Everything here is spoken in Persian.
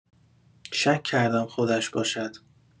شک کردم خودش باشد.